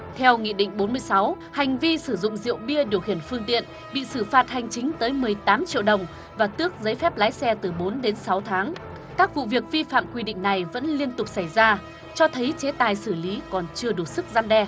theo nghị định bốn mươi sáu hành vi sử dụng rượu bia điều khiển phương tiện bị xử phạt hành chính tới mười tám triệu đồng và tước giấy phép lái xe từ bốn đến sáu tháng các vụ việc vi phạm quy định này vẫn liên tục xảy ra cho thấy chế tài xử lý còn chưa đủ sức răn đe